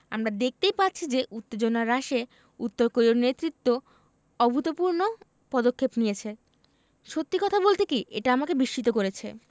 আমরা দেখতেই পাচ্ছি যে উত্তেজনা হ্রাসে উত্তর কোরীয় নেতৃত্ব অভূতপূর্ণ পদক্ষেপ নিয়েছে সত্যি কথা বলতে কি এটা আমাকে বিস্মিত করেছে